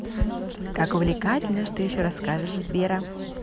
как увлекательно что еще расскажешь сбера